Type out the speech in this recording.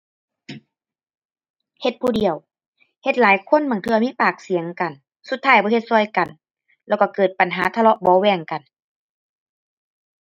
เฮ็ดผู้เดียว เฮ็ดหลายคนบางเทื่อมีปากเสียงกัน สุดท้ายบ่เฮ็ดช่วยกัน แล้วก็เกิดปัญหาทะเลาะเบาะแว้งกัน